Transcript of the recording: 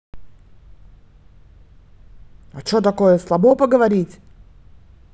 а че такое слабо поговорить